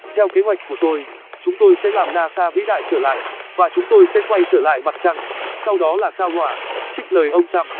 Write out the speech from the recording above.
theo kế hoạch của tôi chúng tôi sẽ làm nasa vĩ đại trở lại và chúng tôi sẽ quay trở lại mặt trăng sau đó là sao hỏa trích lời ông trump